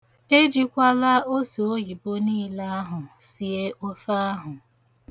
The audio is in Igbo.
Ejikwala oseoyibo niile ahụ sie ofe ahụ.